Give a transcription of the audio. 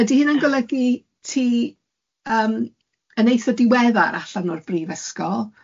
Ydy hynna'n golygu ti yym yn eitha diweddar allan o'r brifysgol?